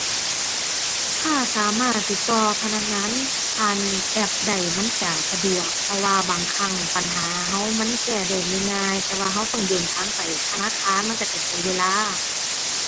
ถ้าสามารถติดต่อพนักงานผ่านแอปได้มันจะสะดวก เพราะว่าบางครั้งปัญหาเรามันแก้ได้ง่ายง่าย แต่ว่าเราต้องเดินทางไปธนาคาร มันเราจะเสียเวลา